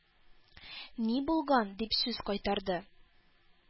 -ни булган?-дип сүз кайтарды.